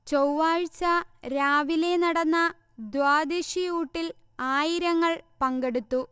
ചൊവ്വാഴ്ച രാവിലെ നടന്ന ദ്വാദശിഊട്ടിൽ ആയിരങ്ങൾ പങ്കെടുത്തു